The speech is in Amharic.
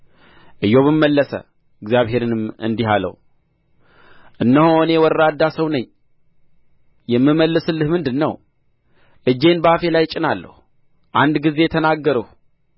ኢዮብም መለሰ እግዚአብሔርንም እንዲህ አለው እነሆ እኔ ወራዳ ሰው ነኝ የምመልስልህ ምንድር ነው እጄን በአፌ ላይ እጭናለሁ አንድ ጊዜ ተናገርሁ